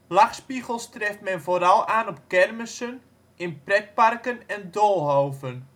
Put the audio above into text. Lachspiegels treft men vooral aan op kermissen, in pretparken en doolhoven